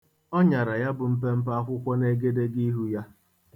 Ọ nyara ya bụ mpempe akwụkwọ n'egedegiihu ya.